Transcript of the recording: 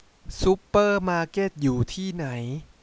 ซุเปอร์มาร์เก็ตอยู่ที่ไหน